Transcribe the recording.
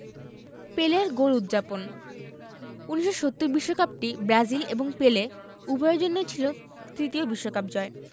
পেলের গোল উদ্ যাপন ১৯৭০ বিশ্বকাপটি ব্রাজিল এবং পেলে উভয়ের জন্যই ছিল তৃতীয় বিশ্বকাপ জয়